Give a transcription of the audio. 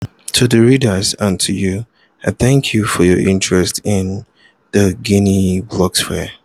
To the readers and to you, I thank you for your interest in the Guinean blogosphere.